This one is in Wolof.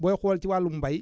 booy xool ci wàllu mbéy